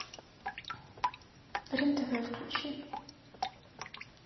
рен тв включи